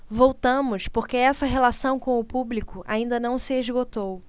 voltamos porque essa relação com o público ainda não se esgotou